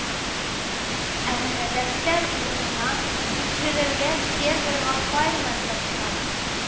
Ә менә дәфтәр урынына тикшерергә серверга файллар тапшыралар